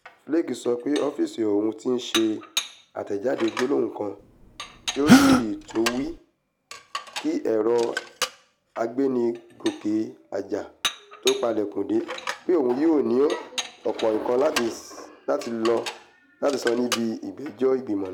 Flake sọ pé ọ́fíìsí òun ti ṣe àtẹ̀jáde gbólóhùn kan tí ó sì tún wí, kí ẹ̀rọ agbénigòkè-àjà tó palẹ̀kùndé, pé òun yóò ní ọ̀pọ̀ nǹkan láti sọ níbi ìgbẹ́jọ́ ìgbìmọ̀ náà.